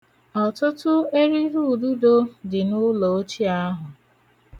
Ọtụtụ eririududo dị n'ụlọ ochie ahụ.